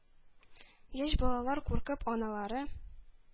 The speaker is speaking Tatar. Яшь балалар, куркып, аналары